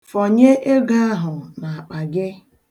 Fọnye ego ahụ n'akpa gị.